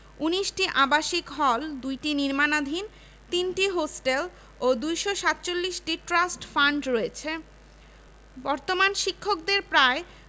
১৯টি আবাসিক হল ২টি নির্মাণাধীন ৩টি হোস্টেল ও ২৪৭টি ট্রাস্ট ফান্ড রয়েছে বর্তমান শিক্ষকদের প্রায়